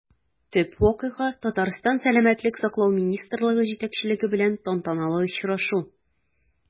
Төп вакыйга – Татарстан сәламәтлек саклау министрлыгы җитәкчелеге белән тантаналы очрашу.